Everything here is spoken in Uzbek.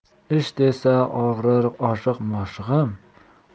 ish desa og'rir oshiq moshig'im